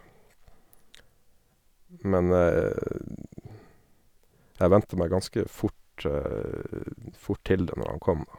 Men jeg vente meg ganske fort fort til det når han kom, da.